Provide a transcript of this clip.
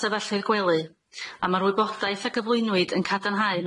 stafellau gwely a ma'r wybodaeth a gyflwynwyd yn cadarnhau